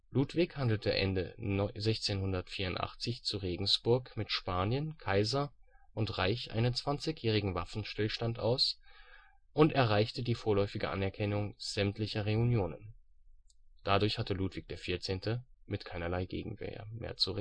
Ludwig handelte Ende 1684 zu Regensburg mit Spanien, Kaiser und Reich einen zwanzigjährigen Waffenstillstand aus und erreichte die vorläufige Anerkennung sämtlicher Reunionen. Dadurch hatte Ludwig XIV. mit keinerlei Gegenwehr mehr zu